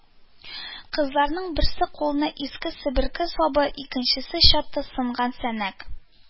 Кызларның берсе кулына иске себерке сабы, икенчесе чаты сынган сәнәк